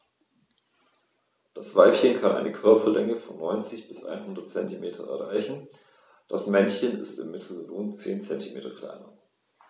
Das Weibchen kann eine Körperlänge von 90-100 cm erreichen; das Männchen ist im Mittel rund 10 cm kleiner.